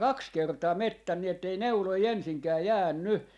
kaksi kertaa metsän niin että ei neuloja ensinkään jäänyt